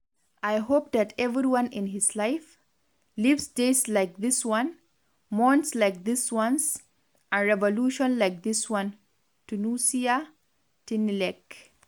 I hope that everyone in his life, lives days like this one, months like these ones, a revolution like this one #tunisia# tnelec